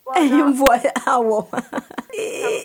E y'ifɔ ko fa